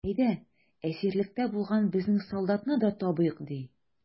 Әйдә, әсирлектә булган безнең солдатны да табыйк, ди.